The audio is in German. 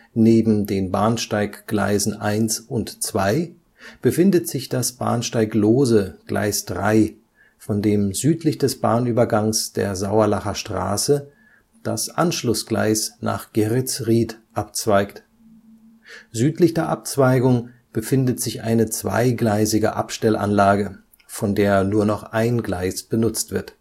Neben den Bahnsteiggleisen 1 und 2 befindet sich das bahnsteiglose Gleis 3, von dem südlich des Bahnübergangs der Sauerlacher Straße das Anschlussgleis nach Geretsried abzweigt. Südlich der Abzweigung befindet sich eine zweigleisige Abstellanlage, von der nur noch ein Gleis benutzt wird